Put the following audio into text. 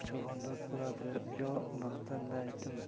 chavandoz bo'ladi yu maqtanmaydimi